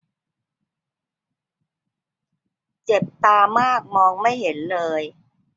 เจ็บตามากมองไม่เห็นเลย